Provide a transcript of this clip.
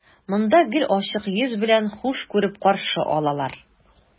Монда гел ачык йөз белән, хуш күреп каршы алалар.